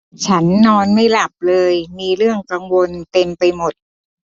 ฉันนอนไม่หลับเลยมีเรื่องกังวลเต็มไปหมด